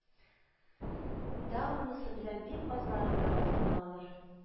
Да, монысы белән бик азлар гына мактана алыр